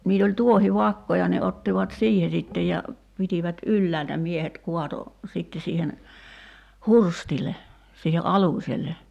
niillä oli tuohivakkoja ne ottivat siihen sitten ja pitivät ylhäältä miehet kaatoi sitten siihen hurstille siihen aluselle